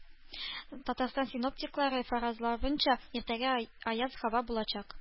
Татарстан синоптиклары фаразлавынча, иртәгә аяз һава булачак